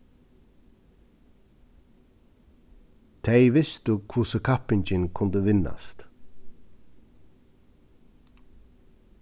tey vistu hvussu kappingin kundi vinnast